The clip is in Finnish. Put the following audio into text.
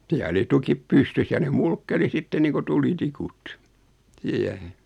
siellä oli tukit pystyssä ja ne mulkkeli sitten niin kuin tulitikut siihen